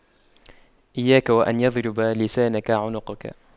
إياك وأن يضرب لسانك عنقك